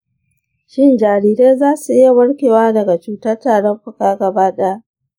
shin jarirai za su iya warkewa daga cutar tarin fuka gaba ɗaya?